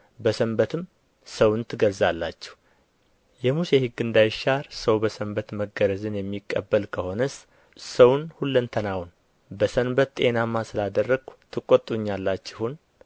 በሰንበትም ሰውን ትገርዛላችሁ የሙሴ ሕግ እንዳይሻር ሰው በሰንበት መገረዝን የሚቀበል ከሆነስ ሰውን ሁለንተናውን በሰንበት ጤናማ ስላደረግሁ ትቈጡኛላችሁን